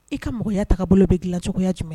I ka mɔgɔya ta bolo bɛicogoya jumɛn